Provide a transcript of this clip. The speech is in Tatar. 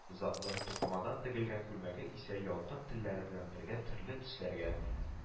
Затлы тукымадан тегелгән күлмәге исә ялкын телләре белән бергә төрле төсләргә